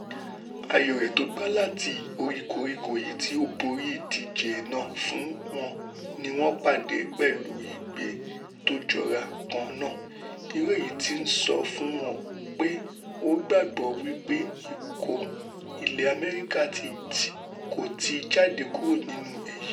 Ayó rẹ̀ tógbá láti orí koríko èyití ó borí ìdíje náà fún wọn níwọn pàdé pẹ̀lú igbe tójọra kan náà, irú èyití ó nsọ fún ọ pé ó gbàgbọ́ wí pé ikọ̀ ilẹ̀ Amẹrika kò tíì jáde kúró nínú èyí.